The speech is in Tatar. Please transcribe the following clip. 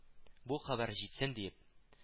Бу хәбәр җитсен диеп